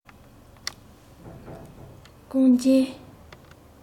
རྐང རྗེས